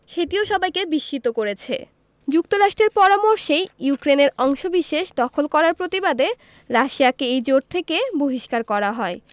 সেটিও সবাইকে বিস্মিত করেছে যুক্তরাষ্ট্রের পরামর্শেই ইউক্রেনের অংশবিশেষ দখল করার প্রতিবাদে রাশিয়াকে এই জোট থেকে বহিষ্কার করা হয়